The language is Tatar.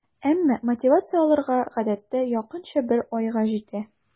Әмма мотивация аларга гадәттә якынча бер айга җитә.